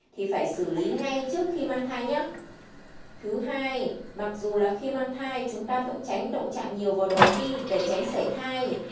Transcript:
thì phải xử lý ngay trước khi mang thai nhé mặc dù là khi mang thai chúng ta vẫn tránh động chạm nhiều vào đầu ti để tránh sảy thai